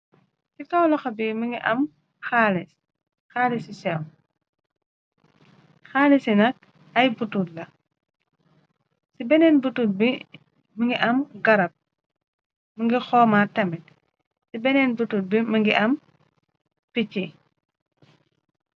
Ci kaw loxo bi mungi am xaalis bu sew xaalisi bi nak ay butut la ci beneen butut bi mi ngi am garab mi ngi xoomat tamit ci beneen butut bi më ngi am picchi.